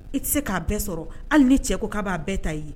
I tɛ se k'a bɛɛ sɔrɔ hali ni cɛ ko k'a'a bɛɛ ta ye